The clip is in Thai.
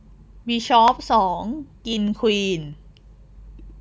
บิชอปสองกินควีน